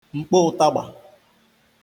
mkpo ùtàgbà